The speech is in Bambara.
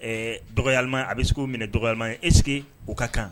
Ɛɛ dɔgɔlima a bɛ se minɛ dɔgɔ e sigi o ka kan